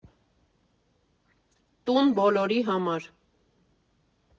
Տուն բոլորի համար։